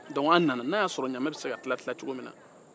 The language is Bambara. donke an nana n'a ya sɔrɔ ɲamɛ bɛ se ka tila tilacogo min na